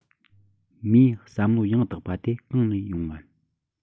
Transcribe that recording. མིའི བསམ བློ ཡང དག པ དེ གང ནས ཡོང ངམ